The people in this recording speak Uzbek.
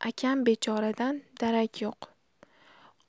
akam bechoradan darak yo'q